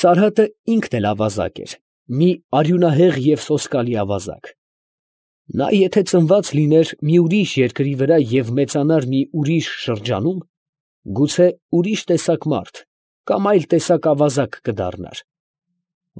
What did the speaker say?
Սարհատը ինքն էլ ավազակ էր, մի արյունահեղ և սոսկալի ավազակ. նա եթե ծնված լիներ մի ուրիշ երկրի վրա և մեծանար մի ուրիշ շրջանում, գուցե ուրիշ տեսակ մարդ, կամ այլ տեսակ ավազակ կդառնար,